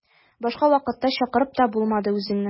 Башка вакытта чакырып та булмады үзеңне.